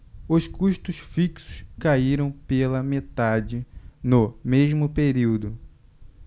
os custos fixos caíram pela metade no mesmo período